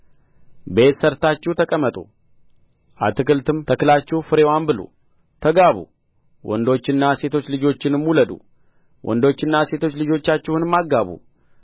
ቤት ሠርታችሁ ተቀመጡ አታክልትም ተክላችሁ ፍሬዋን ብሉ ተጋቡ ወንዶችና ሴቶች ልጆችንም ውለዱ ወንዶችና ሴቶች ልጆቻችሁንም አጋቡ